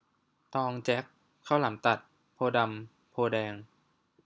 ตองแจ็คข้าวหลามตัดโพธิ์ดำโพธิ์แดง